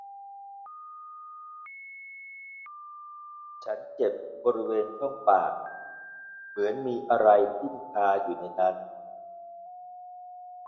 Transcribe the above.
ฉันเจ็บบริเวณช่องปากเหมือนมีอะไรทิ่มคาอยู่ในนั้น